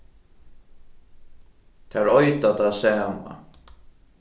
tær eita tað sama